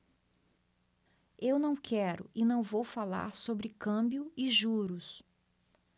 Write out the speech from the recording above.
eu não quero e não vou falar sobre câmbio e juros